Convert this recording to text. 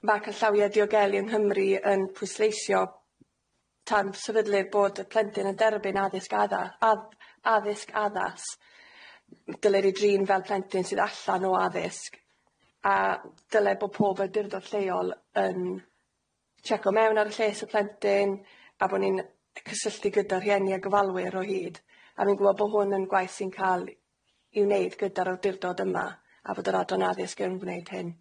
Ma' canllawiau diogelu yng Nghymru yn pwysleisio tan sefydlu bod y plentyn yn derbyn addysg adda- add- addysg addas, dylir ei drin fel plentyn sydd allan o addysg a dyle bo' pob awdurdod lleol yn tsieco mewn ar lles y plentyn a bo' ni'n cysylltu gyda rhieni a gofalwyr o hyd a fi'n gwbo' bo' hwn yn gwaith sy'n ca'l i'w wneud gyda'r awdurdod yma a bod yr adran addysg yn wneud hyn.